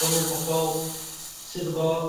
bo' nw'n bobol sydd efo